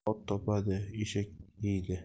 ot topadi eshak yeydi